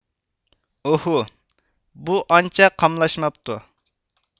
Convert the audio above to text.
ئوھۇ بۇ ئانچە قاملاشماپتۇ